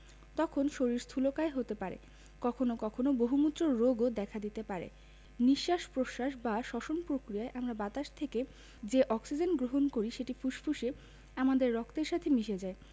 তখন শরীর স্থুলকায় হতে পারে কখনো কখনো বহুমূত্র রোগও দেখা দিতে পারে নিঃশ্বাস প্রশ্বাস বা শ্বসন প্রক্রিয়ায় আমরা বাতাস থেকে যে অক্সিজেন গ্রহণ করি সেটি ফুসফুসে আমাদের রক্তের সাথে মিশে যায়